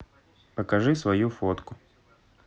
покажи свою фотку